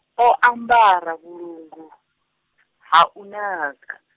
o ambara vhulungu, ha u naka.